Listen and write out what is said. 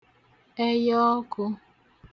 ẹyaọkū